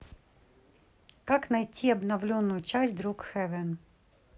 как найти обновленную часть друг heaven